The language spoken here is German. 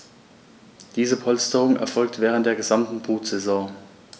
Diese Polsterung erfolgt während der gesamten Brutsaison.